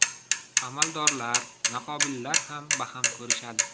amaldorlar noqobillar xam baxam ko'rishadi